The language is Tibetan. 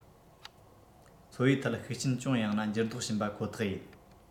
འཚོ བའི ཐད ཤུགས རྐྱེན ཅུང ཡང ན འགྱུར ལྡོག བྱིན པ ཁོ ཐག ཡིན